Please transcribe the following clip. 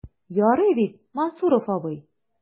Ярый бит, Мансуров абый?